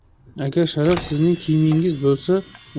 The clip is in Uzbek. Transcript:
agar sharaf sizning kiyimingiz bo'lsa